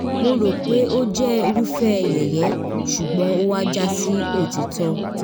"Mo ro pe o jẹ irufẹ yẹyẹ, ṣugbọn o wa jasi otitọ."